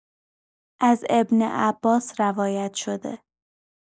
از ابن‌عباس روایت شده